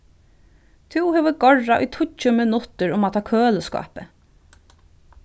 tú hevur gorrað í tíggju minuttir um hatta køliskápið